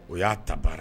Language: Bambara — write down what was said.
U ya ta baara